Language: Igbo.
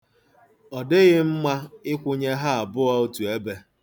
Ọ dịghị mma ịkwụnye ha abụọ otu ebe.